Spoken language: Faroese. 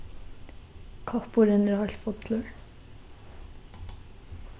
koppurin er heilt fullur